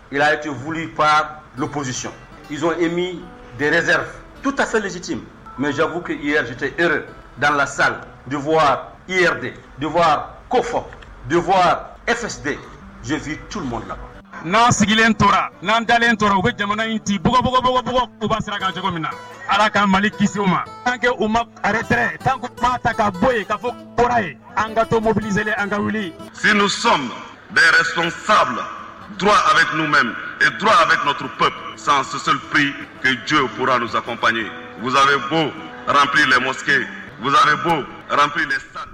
Iretifu pa psiczson emi de rezereri tuta selisiti mɛ zffuki site dala safɔwa i yɛrɛrefɔwa ko fɔ fɔ efɛsite zmo la n'an sigilen tora n'an dalen tora u bɛ jamana in ciba siran cogo min na ala ka mali kiw ma u ma ta ka bɔ yen ka fɔ ye an ka to mobilize an ka wuli sen sɔn bɛ son saura tunu bɛ tura bɛurup sanp yen ka jo ye kosapp ye wzarɛ bo p mosi wzsarɛrebo p sa